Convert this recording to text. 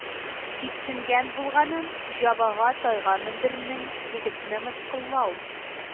Типсенгән булганын, җабага тайга мендерүнең егетне мыскыллау